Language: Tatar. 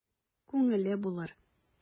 Күңеле булыр...